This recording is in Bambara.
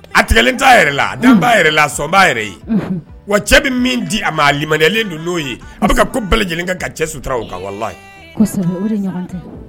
A tigɛlen t'a yɛrɛ la a' la sɔn'a yɛrɛ ye wa cɛ bɛ min di a ma alen don n'o ye a bɛ ko bɛɛ lajɛlen kan ka cɛ sutura u ka wala